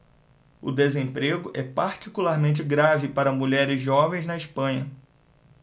o desemprego é particularmente grave para mulheres jovens na espanha